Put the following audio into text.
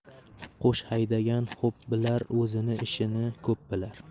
qo'sh haydagan xo'p bilar o'z ishini ko'p bilar